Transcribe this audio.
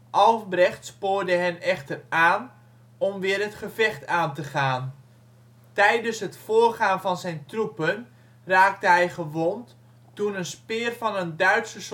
Albrecht spoorde hen echter aan om weer het gevecht aan te gaan. Tijdens het voorgaan van zijn troepen raakte hij gewond toen een speer van een Duitse